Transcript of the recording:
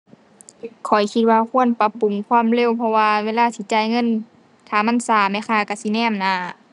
ข้อยคิดว่าควรปรับปรุงความเร็ว เพราะว่าเวลาสิจ่ายเงินถ้ามันช้าแม่ค้าช้าสิแนมหน้า